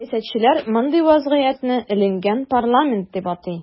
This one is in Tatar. Сәясәтчеләр мондый вазгыятне “эленгән парламент” дип атый.